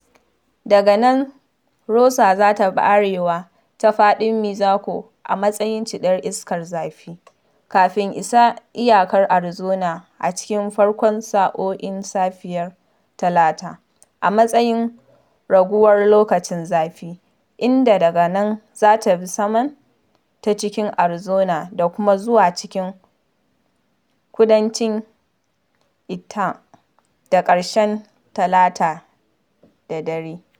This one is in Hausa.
Daga nan Rosa za ta bi arewa ta faɗin Mexico a matsayin cidar iskar zafi kafin isa iyakar Arizona a cikin farkon sa’o’in safiyar Talata a matsayin raguwar loƙacin zafi, inda daga nan za ta bi sama ta cikin Arizona da kuma zuwa cikin kudancin Itah da ƙarshen Talata da dare.